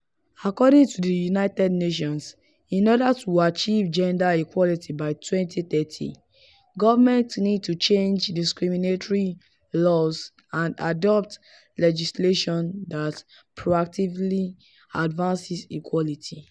According to the United Nations, in order to achieve gender equality by 2030, governments need to change discriminatory laws and adopt legislation that proactively advances equality.